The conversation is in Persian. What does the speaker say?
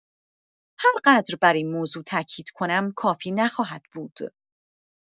هرقدر بر این موضوع تاکید کنم، کافی نخواهد بود.